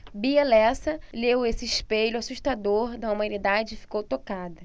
bia lessa leu esse espelho assustador da humanidade e ficou tocada